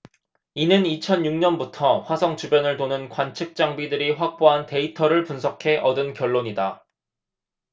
이는 이천 육 년부터 화성 주변을 도는 관측 장비들이 확보한 데이터를 분석해 얻은 결론이다